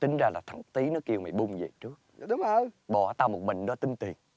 tính ra là thằng tý nó kêu mày bung về trước bỏ tao một mình đo tính tiền